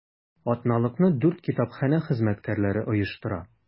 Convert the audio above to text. Атналыкны дүрт китапханә хезмәткәрләре оештыра.